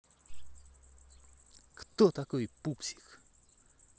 кто такой пупсик